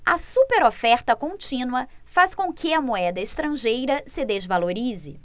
a superoferta contínua faz com que a moeda estrangeira se desvalorize